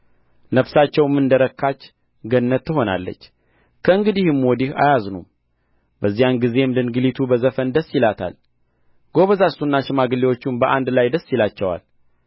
ነፍሳቸውም እንደ ረካች ገነት ትሆናለች ከእንግዲህም ወዲህ አያዝኑም በዚያን ጊዜም ድንግሊቱ በዘፈን ደስ ይላታል ጐበዛዝቱና ሽማግሌዎቹም በአንድ ላይ ደስ ይላቸዋል